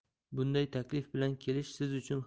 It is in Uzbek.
bunday taklif bilan kelish siz